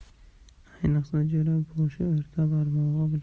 ayniqsa jo'raboshi o'rta barmog'i